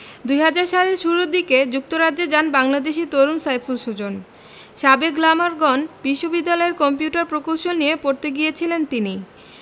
২০০০ সালের শুরু দিকে যুক্তরাজ্যে যান বাংলাদেশি তরুণ সাইফুল সুজন সাবেক গ্লামারগন বিশ্ববিদ্যালয়ের কম্পিউটার প্রকৌশল নিয়ে পড়তে গিয়েছিলেন তিনি